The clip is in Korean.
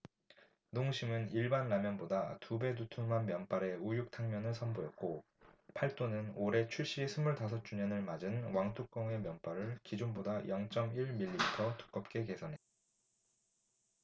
농심은 일반라면보다 두 배 두툼한 면발의 우육탕면을 선보였고 팔도는 올해 출시 스물 다섯 주년을 맞은 왕뚜껑의 면발을 기존보다 영 쩜 일 밀리미터 두껍게 개선했다